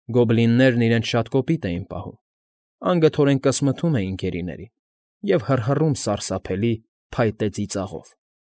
Գոբլիններն իրենց շատ կոպիտ էին պահում, անգթորեն կսմթում էին գերիներին և հռհռում սարսափելի, փյատե ծիծաղով։